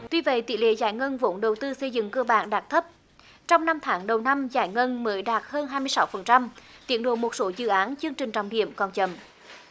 tuy vậy tỷ lệ giải ngân vốn đầu tư xây dựng cơ bản đạt thấp trong năm tháng đầu năm giải ngân mới đạt hơn hai mươi sáu phần trăm tiến độ một số dự án chương trình trọng điểm còn chậm